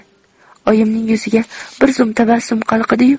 oyimning yuziga bir zum tabassum qalqidi yu